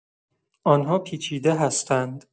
آن‌ها پیچیده هستند.